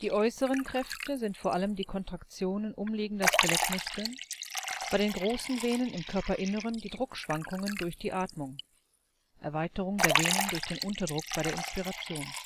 äußeren Kräfte sind vor allem die Kontraktionen umliegender Skelettmuskeln, bei den großen Venen im Körperinneren die Druckschwankungen durch die Atmung (Erweiterung der Venen durch den Unterdruck bei der Inspiration